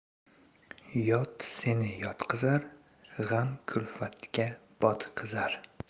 yot seni yotqizar g'am kuifatga botqizar